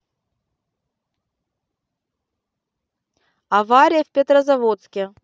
авария в петрозаводске